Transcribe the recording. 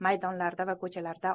maydonlarda va ko'chalarda